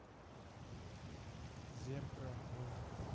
зебра в